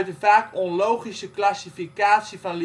vaak onlogische classificatie van